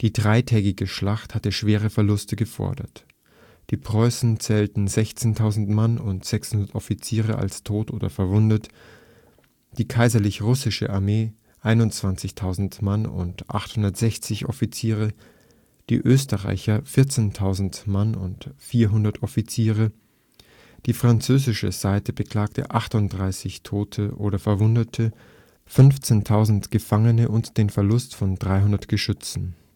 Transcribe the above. dreitägige Schlacht hatte schwere Verluste gefordert: die Preußen zählten 16.000 Mann und 600 Offiziere als tot oder verwundet, die Kaiserlich Russische Armee 21.000 Mann und 860 Offiziere, die Österreicher 14.000 Mann und 400 Offiziere. Die französische Seite beklagte 38.000 Tote oder Verwundete, 15.000 Gefangene und den Verlust von 300 Geschützen